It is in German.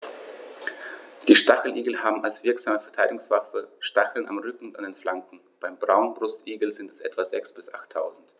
Die Stacheligel haben als wirksame Verteidigungswaffe Stacheln am Rücken und an den Flanken (beim Braunbrustigel sind es etwa sechs- bis achttausend).